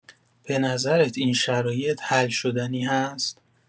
به نظرت این شرایط حل‌شدنی هست؟